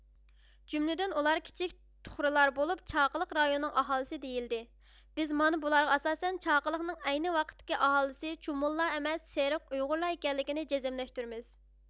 جۈملىدىن ئۇلار كىچىك تۇخرىلار بولۇپ چاقىلىق رايونىنىڭ ئاھالىسى دېيىلدى بىز مانا بۇلارغا ئاساسەن چاقىلىقنىڭ ئەينى ۋاقىتتىكى ئاھالىسى چۇمۇللار ئەمەس سېرىق ئۇيغۇرلار ئىكەنلىكىنى جەزملەشتۈرىمىز